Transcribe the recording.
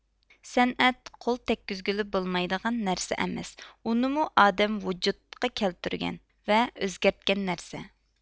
سەنئەت قول تەككۈزگىلى بولمايدىغان نەرسە ئەمەس ئۇنىمۇ ئادەم ۋۇجۇدتقا كەلتۈرگەن ۋە ئۆزگەرتكەن نەرسە